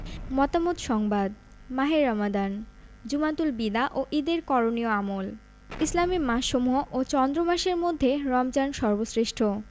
মতামত সংবাদ মাহে রমাদান জুমাতুল বিদা ও ঈদের করণীয় আমল ইসলামি মাসসমূহ ও চন্দ্রমাসের মধ্যে রমজান সর্বশ্রেষ্ঠ